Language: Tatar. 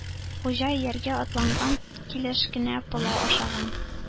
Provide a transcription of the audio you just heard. Хуҗа ияргә атланган килеш кенә пылау ашаган.